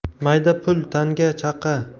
mayda pul tanga chaqa